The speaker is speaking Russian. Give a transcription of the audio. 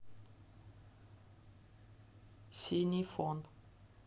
синий фон